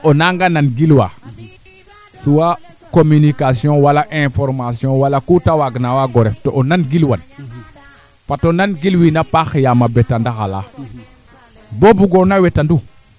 a ndeet a mbeta kiden a ndeeta paax a njeemo laamtoox ke refna ndiing mbaa a ndestoox ke refa ndiing nam ndiiga waru rok tel oxe waroona o nan gilwa pour te lal ga nang ndiing